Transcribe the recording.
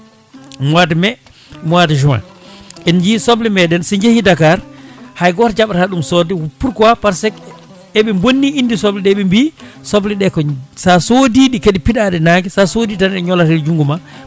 mois de mai mois de juin en jii soblemeɗen so jeehi Dakar hay goto jaɓata ɗum sodde pourquoi par ce que eɓe bonni inde sobleɗe ɓe mbi sobleɗe ko sa soodi ɗe kooɗe piɗaɗe nangue sa soodi tan ɗe ñoolat e junggo ma